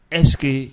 Ɛseke